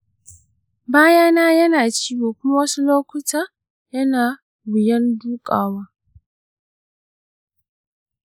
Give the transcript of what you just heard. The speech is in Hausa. baya na yana ciwo kuma wasu lokuta yana wuyan duƙawa.